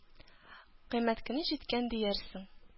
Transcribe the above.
Кыямәт көне җиткән диярсең.